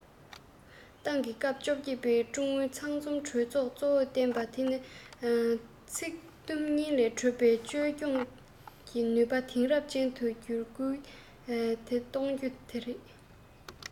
ཏང གི སྐབས བཅོ བརྒྱད པའི ཀྲུང ཨུ ཚང འཛོམས གྲོས ཚོགས གཙོ བོ བཏོན པ དེ ནི ཚིག དུམ གཉིས ལས གྲུབ པའི བཅོས སྐྱོང ནུས པ དེང རབས ཅན དུ འགྱུར རྒྱུར སྐུལ འདེད གཏོང རྒྱུ དེ རེད